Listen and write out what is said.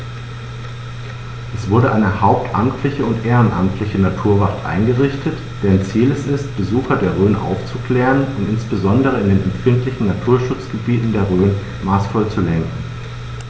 Es wurde eine hauptamtliche und ehrenamtliche Naturwacht eingerichtet, deren Ziel es ist, Besucher der Rhön aufzuklären und insbesondere in den empfindlichen Naturschutzgebieten der Rhön maßvoll zu lenken.